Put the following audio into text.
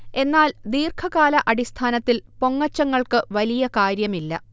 എന്നാൽ ദീർഘകാല അടിസ്ഥാനത്തിൽ പൊങ്ങച്ചങ്ങൾക്ക് വലിയ കാര്യമില്ല